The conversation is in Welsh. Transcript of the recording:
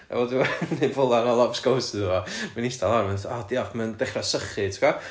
A wedyn mae'n neud bowlan o lobscows iddo fo ma'n ista lawr a mynd "o diolch" ma'n dechrau sychu ti gwbod?